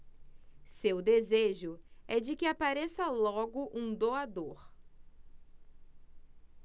seu desejo é de que apareça logo um doador